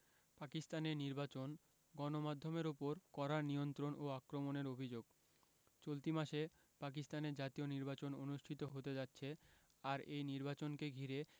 পাকিস্তানে নির্বাচন গণমাধ্যমের ওপর কড়া নিয়ন্ত্রণ ও আক্রমণের অভিযোগ চলতি মাসে পাকিস্তানে জাতীয় নির্বাচন অনুষ্ঠিত হতে যাচ্ছে আর এই নির্বাচনকে ঘিরে